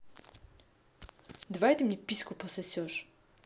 давай ты мне письку пососешь